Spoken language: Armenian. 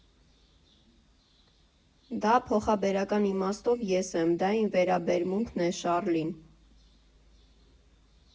Դա փոխաբերական իմաստով ես եմ, դա իմ վերաբերմունքն է Շառլին։